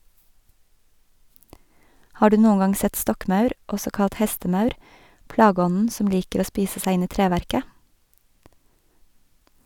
Har du noen gang sett stokkmaur, også kalt hestemaur, plageånden som liker å spise seg inn i treverket?